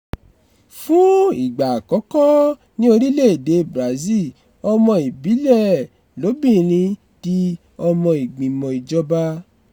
Fún ìgbà àkọ́kọ́ ní orílẹ̀-èdèe Brazil, ọmọ ìbílẹ̀ lóbìnrin di ọmọ ìgbìmọ̀ ìjọba